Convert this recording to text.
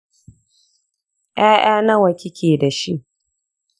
ƴaƴa nawa kike da shi?